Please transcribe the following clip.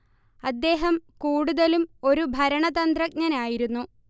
അദ്ദേഹം കൂടുതലും ഒരു ഭരണതന്ത്രജ്ഞനായിരുന്നു